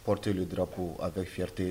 Pte dɔrɔn ko a bɛ fite ye